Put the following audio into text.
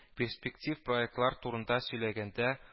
Перспектив проектлар турында сөйләгәндә